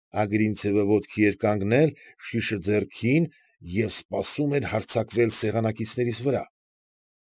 Ագրինցևը ոտքի էր կանգնել շիշը ձեռքին և սպասում էր հարձակվել սեղանակիցներիս վրա։